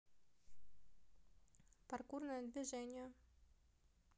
паркурное движение